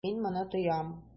Мин моны тоям.